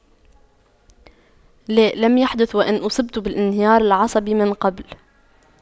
لا لم يحدث وأن اصبت بالانهيار العصبي من قبل